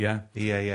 Ia? Ie ie.